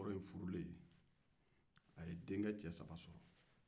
muso wɔɔro in furulen a ye denkɛ cɛ saba sɔrɔ